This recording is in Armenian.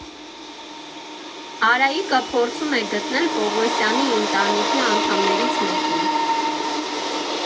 Արայիկը փորձում է գտնել Պողոսյանի ընտանիքի անդամներից մեկին։